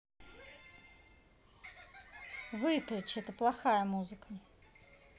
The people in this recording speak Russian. выключи это плохая музыка